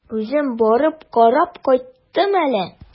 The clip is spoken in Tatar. Үзем барып карап кайтам әле.